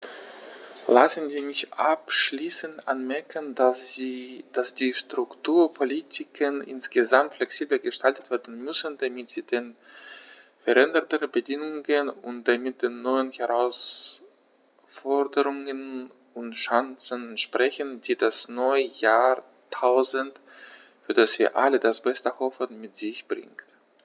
Lassen Sie mich abschließend anmerken, dass die Strukturpolitiken insgesamt flexibler gestaltet werden müssen, damit sie den veränderten Bedingungen und damit den neuen Herausforderungen und Chancen entsprechen, die das neue Jahrtausend, für das wir alle das Beste hoffen, mit sich bringt.